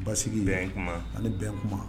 Basigi bɛn kuma ani bɛn kuma